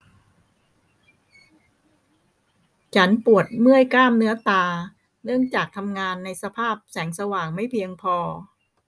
ฉันปวดเมื่อยกล้ามเนื้อตาเนื่องจากทำงานในสภาพแสงสว่างไม่เพียงพอ